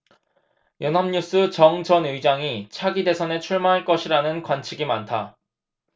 연합뉴스 정 전 의장이 차기 대선에 출마할 것이라는 관측이 많다